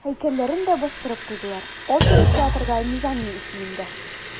Һәйкәлләрен дә бастырып куйдылар, опера театры да Низами исемендә.